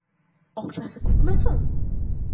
Акчасы күпме соң?